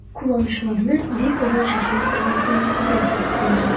Кулланучыларны бик озын чәчләр торган саен күбрәк кызыксындыра.